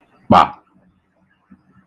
kpà